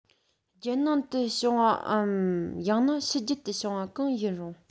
རྒྱལ ནང དུ བྱུང བའམ ཡང ན ཕྱི རྒྱལ དུ བྱུང བ གང ཡིན རུང